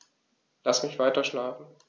Lass mich weiterschlafen.